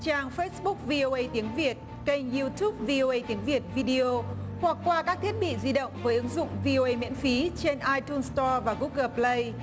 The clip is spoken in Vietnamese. trang phết búc vi ô ây tiếng việt kênh diu túp vi ô ây tiếng việt vi đi ô hoặc qua các thiết bị di động với ứng dụng vi ô ây miễn phí trên ai tun sờ to và gúc gồ pờ lây